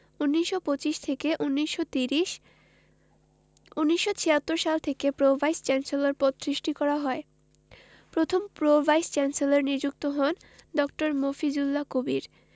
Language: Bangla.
১৯২৫ ১৯৩০ ১৯৭৬ সাল থেকে প্রো ভাইস চ্যান্সেলর পদ সৃষ্টি করা হয় প্রথম প্রো ভাইস চ্যান্সেলর নিযুক্ত হন ড. মফিজুল্লাহ কবির